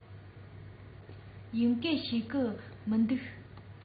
དབྱིན སྐད ཤེས ཀྱི མི འདུག